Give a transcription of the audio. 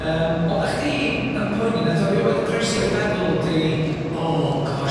yym odda chdi yn poeni nath o 'rioed groesi dy feddwl di o gosh